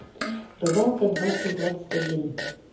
рыбалка двадцать двадцать один